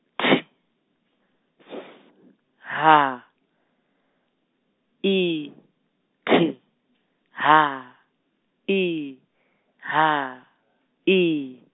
T S H I T H I H I.